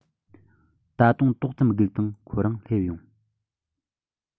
ད དུང ཏོག ཙམ སྒུགས དང ཁོ རང སླེབས ཡོང